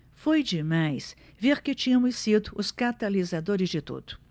foi demais ver que tínhamos sido os catalisadores de tudo